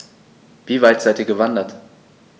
Wie weit seid Ihr gewandert?